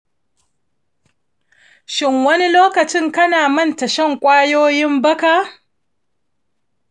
shin wani lokaci kana manta shan kwayoyin baka?